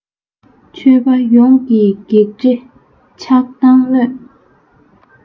ཆོས པ ཡོངས ཀྱི བགེགས འདྲེ ཆགས སྡང གནོད